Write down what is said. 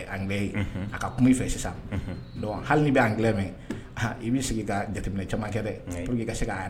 Ɛ anglais ye unhun a ka kum'i fɛ sisan unhun donc hali n'i bɛ anglais mɛ i b'i sigi ka jateminɛ caman kɛ dɛ ouiai pour que i ka se kaa